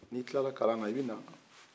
ni tila la kalan na i bi na